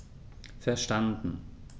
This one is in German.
Verstanden.